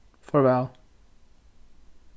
farvæl